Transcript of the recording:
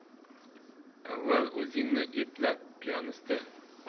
avval o'zingni epla piyonista